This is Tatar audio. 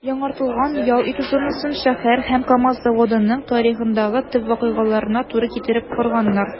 Яңартылган ял итү зонасын шәһәр һәм КАМАЗ заводының тарихындагы төп вакыйгаларына туры китереп корганнар.